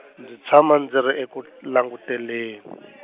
ndzi tshama ndzi ri eku languteleni .